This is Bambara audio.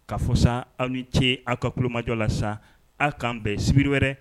K' fɔ sa aw ni ce an ka kulumajɔ la sa aw k'an bɛn sibiri wɛrɛ